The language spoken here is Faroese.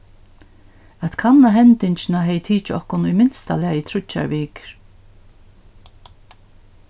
at kanna hendingina hevði tikið okkum í minsta lagi tríggjar vikur